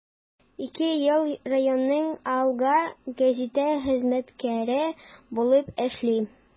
Ике ел районның “Алга” гәзите хезмәткәре булып эшли.